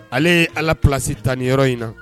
Ale ye ala plasi tan ni yɔrɔ in na